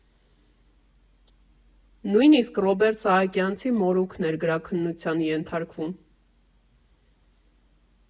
Նույնիսկ Ռոբերտ Սահակյանցի մորուքն էր գրաքննության ենթարկվում։